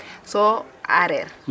Soo a aareer